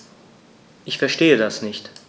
Ich verstehe das nicht.